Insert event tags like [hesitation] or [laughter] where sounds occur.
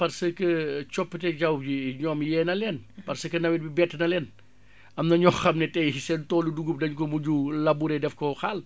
parce que [hesitation] coppite jaww ji ñoom yee na leen parce que nawet bi bett na leen am na ñoo xam ne tay seen toolu dugub dañ ko mujju labourer def ko xaal